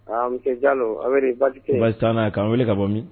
A monsieur Jalo a bɛ di basi tɛ yen? Basi t'an na yan, k'an weele ka bɔ min?